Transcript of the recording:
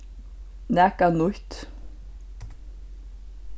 nakað nýtt